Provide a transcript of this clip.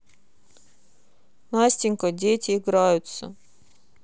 настенька дети играются